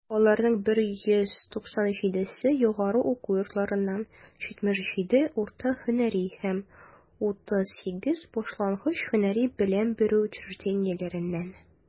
Аларның 137 се - югары уку йортларыннан, 77 - урта һөнәри һәм 38 башлангыч һөнәри белем бирү учреждениеләреннән.